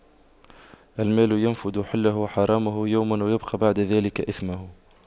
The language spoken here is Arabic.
المال ينفد حله وحرامه يوماً ويبقى بعد ذلك إثمه